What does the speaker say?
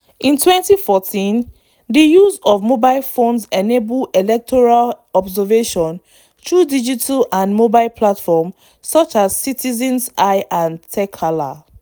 In 2014, the use of mobile phones enabled electoral observation through digital and mobile platforms such as Citizen's Eye and Txeka-lá.